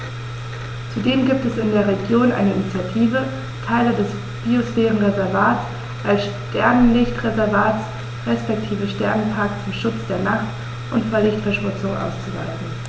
Zudem gibt es in der Region eine Initiative, Teile des Biosphärenreservats als Sternenlicht-Reservat respektive Sternenpark zum Schutz der Nacht und vor Lichtverschmutzung auszuweisen.